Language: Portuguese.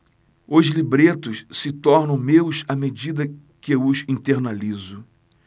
os libretos se tornam meus à medida que os internalizo